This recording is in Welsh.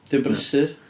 'Di o'n... na. ...brysur?